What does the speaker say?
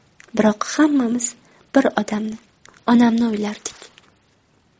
biroq hammamiz bir odamni onamni o'ylardik